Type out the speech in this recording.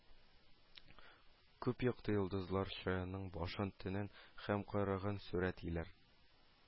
Күп якты йолдызлар «чаян»ның башын, тәнен һәм койрыгын сурәтлиләр